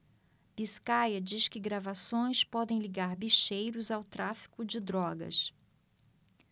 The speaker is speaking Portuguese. biscaia diz que gravações podem ligar bicheiros ao tráfico de drogas